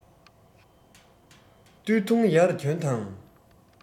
སྟོད འཐུང ཡར གྱོན དང